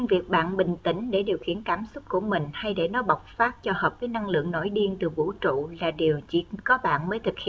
nhưng việc bạn bình tĩnh để điều khiển cảm xúc của mình hay để nó bộc phát cho hợp với năng lượng nổi điên từ vũ trụ là điều chỉ có bạn mới thực hiện được